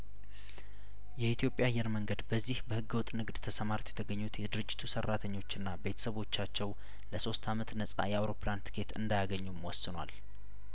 የኢትዮጵያ አየር መንገድ በዚህ በህገወጥ ንግድ ተሰማርተው የተገኙት የድርጅቱ ሰራተኞችና ቤተሰቦቻቸው ለሶስት አመት ነጻ የአውሮፕላን ትኬት እንዳያገኙም ወስኗል